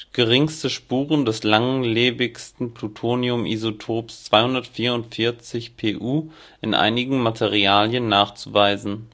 geringste Spuren des langlebigsten Plutoniumisotops 244Pu in einigen Mineralien nachzuweisen